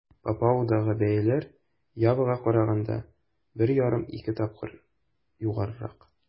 Папуадагы бәяләр Явага караганда 1,5-2 тапкыр югарырак.